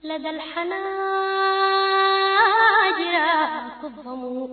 Tileyan wa